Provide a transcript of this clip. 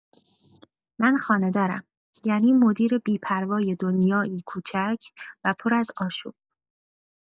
من خانه‌دارم، یعنی مدیر بی‌پروای دنیایی کوچک و پر از آشوب.